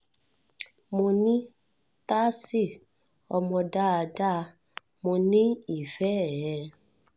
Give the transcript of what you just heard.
Mo ní, “Tashi, ọmọ dáadáa, mo ní ìfẹ ẹ.